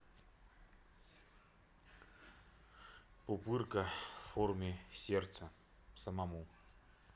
пупырка в форме сердца самому